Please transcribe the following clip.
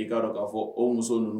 I'i'a dɔn k'a fɔ o muso ninnu